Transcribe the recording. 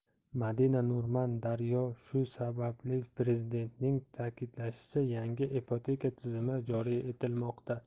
madina nurman daryo shu sababli prezidentning ta'kidlashicha yangi ipoteka tizimi joriy etilmoqda